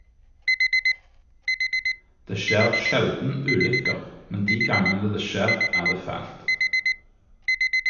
Det skjer sjelden ulykker, men de gangene det skjer, er det fælt.